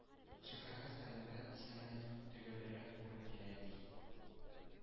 Шәһәргә сталинград исеме төгәлрәк туры килә”, – ди.